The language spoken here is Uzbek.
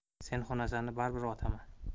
sen xunasani baribir otaman